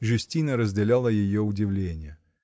Жюстина разделяла ее удивление